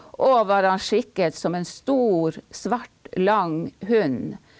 òg var han skikket som en stor, svart, lang hund.